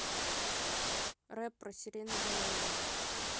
рэп про сиреноголового